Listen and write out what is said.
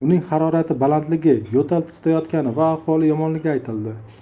uning harorati balandligi yo'tal tutayotgani va ahvoli yomonligi aytildi